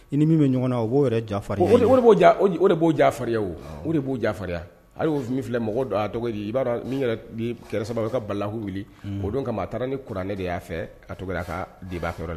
Ni min bɛ ɲɔgɔn o b'o yɛrɛ jafarin b'o o de b'o jarinya wo olu de b'o jarinya ale y'o min filɛ mɔgɔ cogo di i b'a min kɛlɛ sababu bɛ ka balaha wuli o don kama a taara ni kuran ne de y'a fɛ ka to' ka diba yɔrɔ la